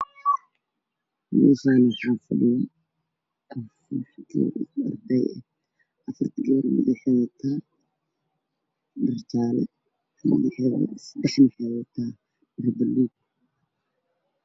Meeshaan waxaa fadhiyo afar gabdhood mid waxey wadataa dhar madow seddaxda kale dhar cadaan ah